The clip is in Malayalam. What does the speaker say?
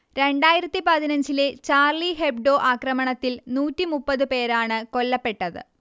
രണ്ടായിരത്തി പതിനഞ്ചിലെ ചാർളി ഹെബ്ഡോ ആക്രമണത്തിൽ നൂറ്റി മുപ്പത് പേരാണ് കൊല്ലപ്പെട്ടത്